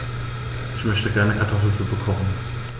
Ich möchte gerne Kartoffelsuppe kochen.